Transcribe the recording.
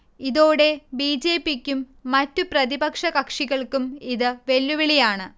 ഇതോടെ B. J. P. ക്കും മറ്റ് പ്രതിപക്ഷ കക്ഷികൾക്കും ഇത് വെല്ലുവിളിയാണ്